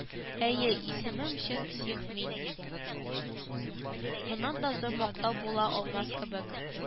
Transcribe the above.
Әйе исемем чын псих мин. моннан да зур мактау була алмас кебек